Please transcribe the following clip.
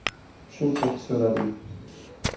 shunchaki so'radim